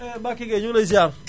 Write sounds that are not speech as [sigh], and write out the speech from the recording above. he Mbacke Gueye ñu ngi lay ziyaar [noise]